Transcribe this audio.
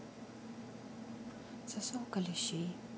засолка лещей